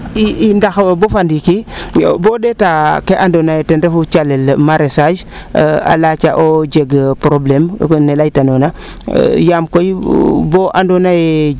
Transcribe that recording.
i ndax boo fa ndiiki bo o ndeeta kee ando naye tenr refu calel maraichage a yaaca o jeg probleme ne leyta noona yaam koy bo ando naye